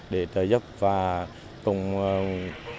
để trợ giúp và cũng